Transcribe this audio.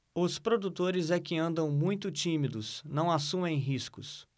os produtores é que andam muito tímidos não assumem riscos